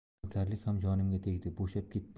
navkarlik ham jonimga tegdi bo'shab ketdim